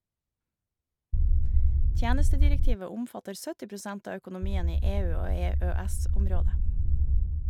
- Tjenestedirektivet omfatter 70 prosent av økonomien i EU og EØS-området.